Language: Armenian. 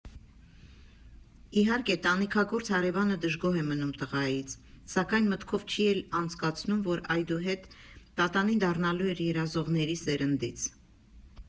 Իհարկե, տանիքագործ հարևանը դժգոհ է մնում տղայից, սակայն մտքով չի էլ անցկացնում, որ այդուհետ պատանին դառնալու էր «երազողների սերնդից»։